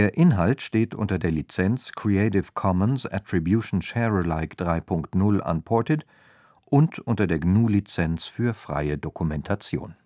Inhalt steht unter der Lizenz Creative Commons Attribution Share Alike 3 Punkt 0 Unported und unter der GNU Lizenz für freie Dokumentation